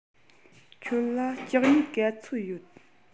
ཁྱོད ལ ལྕགས སྨྱུག ག ཚོད ཡོད